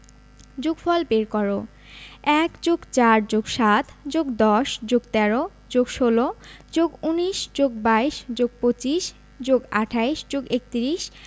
যোগফল বের করঃ ১+৪+৭+১০+১৩+১৬+১৯+২২+২৫+২৮+৩১